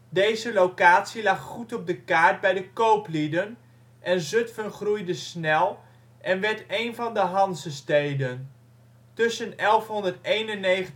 Deze locatie lag goed op de kaart bij de kooplieden, en Zutphen groeide snel en werd een van de Hanzesteden. Tussen 1191 en 1196